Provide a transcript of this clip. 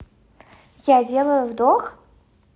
я делаю вдох